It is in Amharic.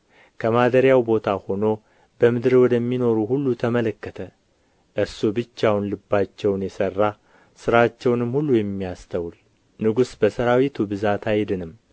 ከማደሪያው ቦታ ሆኖ በምድር ወደሚኖሩ ሁሉ ተመለከተ እርሱ ብቻውን ልባቸውን የሠራ ሥራቸውንም ሁሉ የሚያስተውል ንጉሥ በሠራዊቱ ብዛት አይድንም